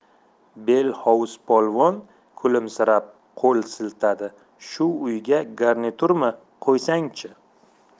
bel hovuz polvon kulimsirab qo'l siltadi shu uyga garnito'rmi qo'ysang chi